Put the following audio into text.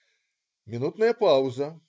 " Минутная пауза.